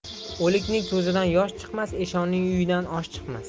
o'likning ko'zidan yosh chiqmas eshonning uyidan osh chiqmas